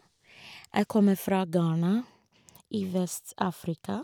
Jeg kommer fra Ghana i Vest-Afrika.